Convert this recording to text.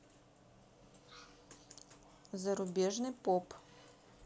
зарубежный поп